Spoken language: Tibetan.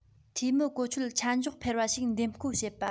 འཐུས མི གོ ཆོད ཆ འཇོག འཕེར བ ཞིག འདེམས བསྐོ བྱེད པ